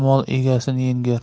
mol egasini yengar